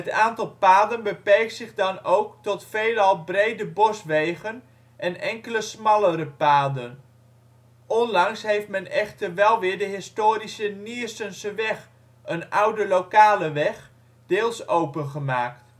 aantal paden beperkt zich dan ook tot veelal brede boswegen en enkele smallere paden. Onlangs heeft men echter wel weer de historische Niersenseweg, een oude lokale weg, deels open gemaakt